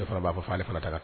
Ne b'a fɔ ale fana ta kan